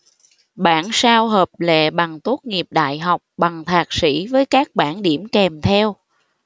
bản sao hợp lệ bằng tốt nghiệp đại học bằng thạc sĩ với các bảng điểm kèm theo